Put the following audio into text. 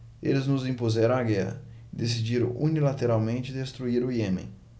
eles nos impuseram a guerra e decidiram unilateralmente destruir o iêmen